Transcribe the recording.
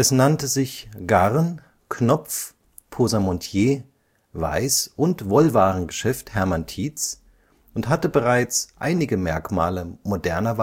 nannte sich „ Garn -, Knopf -, Posamentier -, Weiß - und Wollwarengeschäft Hermann Tietz “und hatte bereits einige Merkmale moderner